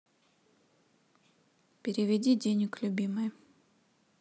переведи денег любимой